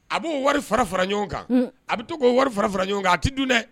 A b'o wari fara fara ɲɔgɔn kan a bɛ to'o wari fara fara ɲɔgɔn kan a tɛ dun dɛ